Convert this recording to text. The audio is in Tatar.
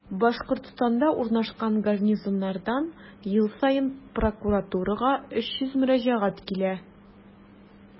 Башкортстанда урнашкан гарнизоннардан ел саен прокуратурага 300 мөрәҗәгать килә.